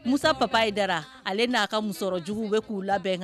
Musa Papa Haidara ale n'a ka musɔrɔ juguw bɛ k'u labɛn na